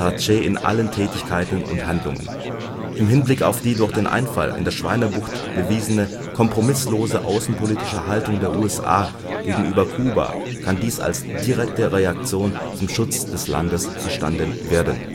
Che in allen Tätigkeiten und Handlungen. Im Hinblick auf die durch den Einfall in der Schweinebucht bewiesene kompromisslose außenpolitische Haltung der USA gegenüber Kuba kann dies als direkte Reaktion zum Schutz des Landes verstanden werden